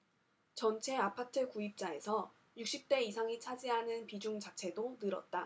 전체 아파트 구입자에서 육십 대 이상이 차지하는 비중 자체도 늘었다